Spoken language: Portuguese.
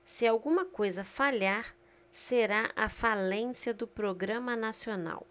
se alguma coisa falhar será a falência do programa nacional